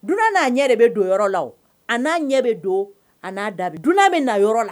Dunan n'a ɲɛ de bɛ don yɔrɔ la a n'a ɲɛ bɛ don a'a da dunan bɛ na yɔrɔ la